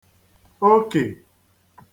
okè